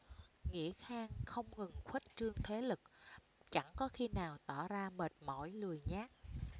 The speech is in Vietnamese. nghĩa khang không ngừng khuếch trương thế lực chẳng có khi nào tỏ ra mệt mỏi lười nhác